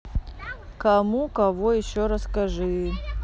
кому кого еще расскажи